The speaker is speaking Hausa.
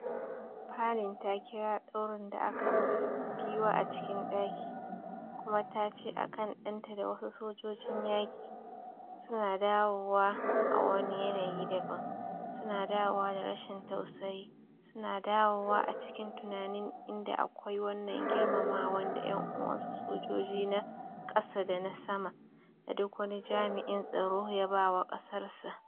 Palin ta kira ɗaurin da aka masa “Giwa a cikin ɗaki” kuma ta ce akan ɗanta da wasu sojojin yaki, “su na dawowa a wani yanayi daban, su na dawowa da rashin tausayi, su na dawowa a cikin tunanin idan akwai wannan girmamawan da yan’uwansu sojoji na kasa da na sama, da duk wani jam’in tsaro ya ba wa kasar sa.”